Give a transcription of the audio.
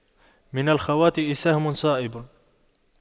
من الخواطئ سهم صائب